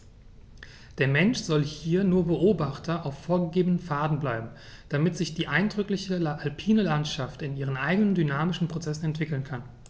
Der Mensch soll hier nur Beobachter auf vorgegebenen Pfaden bleiben, damit sich die eindrückliche alpine Landschaft in ihren eigenen dynamischen Prozessen entwickeln kann.